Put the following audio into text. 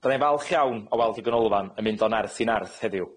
Fyddai'n falch iawn o weld y ganolfan yn mynd o nerth i nerth heddiw.